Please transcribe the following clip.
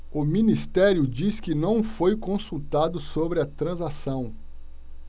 o ministério diz que não foi consultado sobre a transação